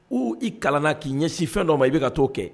U i kalan k'i ɲɛ si fɛn dɔ ma i bɛ ka t'o kɛ